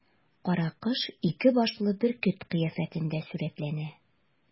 Каракош ике башлы бөркет кыяфәтендә сурәтләнә.